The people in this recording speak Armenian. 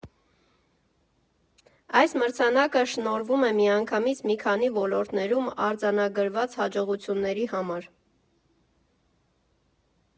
Այս մրցանակը շնորհվում է միանգամից մի քանի ոլորտներում արձանագրված հաջողությունների համար։